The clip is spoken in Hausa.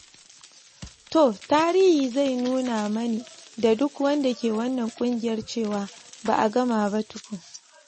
Toh Tarihi zai nuna mani da duk wanda ke wannan kungiyar cewa ba’a gama ba tukun.